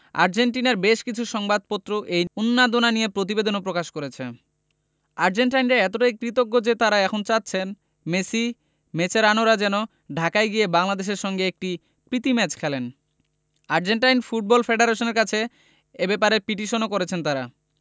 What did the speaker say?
আর্জেন্টিনার বেশ কিছু সংবাদপত্র এই উন্মাদনা নিয়ে প্রতিবেদনও প্রকাশ করেছে আর্জেন্টাইনরা এতটাই কৃতজ্ঞ যে তাঁরা এখন চাচ্ছেন মেসি মেচেরানোরা যেন ঢাকায় গিয়ে বাংলাদেশের সঙ্গে একটি প্রীতি ম্যাচ খেলেন আর্জেন্টাইন ফুটবল ফেডারেশনের কাছে এ ব্যাপারে পিটিশনও করেছেন তাঁরা